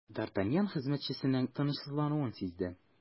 Д’Артаньян хезмәтчесенең тынычсызлануын сизде.